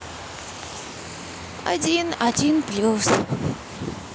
один один плюс